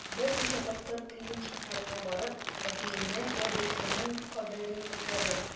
Берничә тапкыр Клин шәһәренә барып, әтиемнең абыйсының каберен эзләдем.